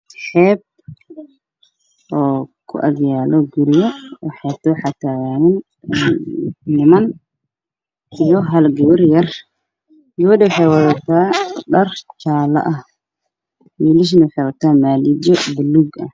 Xeeb oo ku agyaala guryo waxaa taagan niman iyo hal gabar yar gabadha waxay watadaa dhar jaallo ah wiilashana waxay wataan maaliyado baluug ah.